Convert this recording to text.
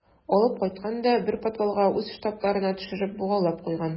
Алып кайткан да бер подвалга үз штабларына төшереп богаулап куйган.